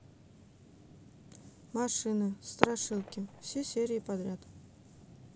машины страшилки все серии подряд